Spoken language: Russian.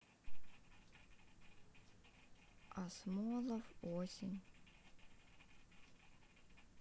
а смолов осень